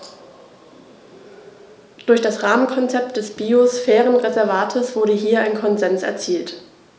Durch das Rahmenkonzept des Biosphärenreservates wurde hier ein Konsens erzielt.